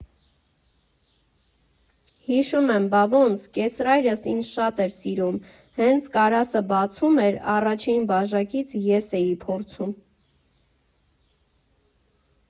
Հիշում եմ, բա ոնց, կեսրայրս ինձ շատ էր սիրում, հենց կարասը բացում էր, առաջին բաժակից ես էի փորձում։